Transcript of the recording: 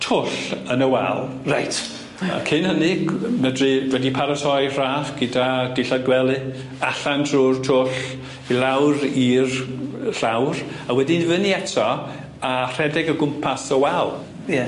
twll yn y wal... Reit. ...a cyn hynny gw- yy medru wedi paratoi rhaff gyda dillad gwely allan trw'r twll i lawr i'r llawr a wedyn i fyny eto a rhedeg o gwmpas y wal. Ie.